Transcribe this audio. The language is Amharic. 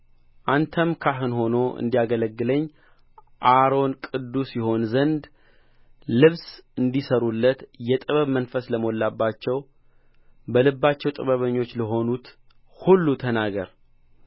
አንተም ካህን ሆኖ እንዲያገለግለኝ አሮን ቅዱስ ይሆን ዘንድ ልብስ እንዲሠሩለት የጥበብ መንፈስ ለሞላሁባቸው በልባቸው ጥበበኞች ለሆኑት ሁሉ ተናገር